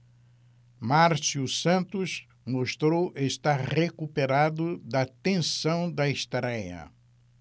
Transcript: márcio santos mostrou estar recuperado da tensão da estréia